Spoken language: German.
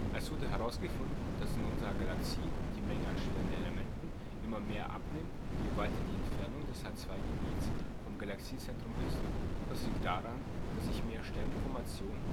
Es wurde herausgefunden, dass in unserer Galaxie die Menge an schweren Elementen immer mehr abnimmt, je weiter die Entfernung des H-II-Gebiets vom Galaxiezentrum ist. Das liegt daran, dass sich mehr Sternenformationen